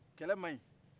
kɛlɛ man ɲi